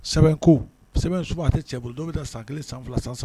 Sɛbɛn ko sɛ suba a tɛ cɛ bolo dɔw bɛ taa san kelen san fila san san